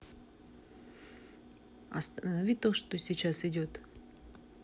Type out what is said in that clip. останови то что сейчас идет